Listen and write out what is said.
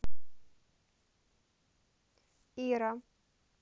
ира